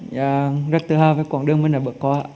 dạ rất tự hào về quãng đường mình đã vượt qua ạ